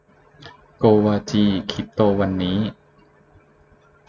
โกวาจีคริปโตวันนี้